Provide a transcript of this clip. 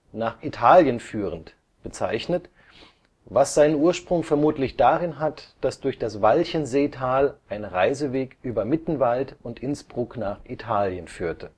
nach Italien führend) bezeichnet, was seinen Ursprung vermutlich darin hat, dass durch das Walchenseetal ein Reiseweg über Mittenwald und Innsbruck nach Italien führte